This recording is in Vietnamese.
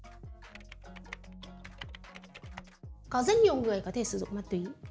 có rất nhiều người có thể sử dụng ma túy